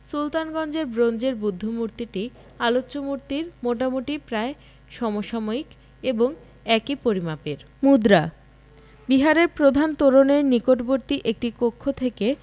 সুলতানগঞ্জের ব্রোঞ্জের বুদ্ধ মূর্তিটি আলোচ্য মূর্তির মোটামুটি প্রায় সমসাময়িক এবং একই পরিমাপের মুদ্রা বিহারের প্রধান তোরণের নিকটবর্তী একটি কক্ষ থেকে